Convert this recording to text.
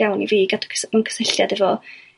iawn i fi gadw mewn cysylltiad efo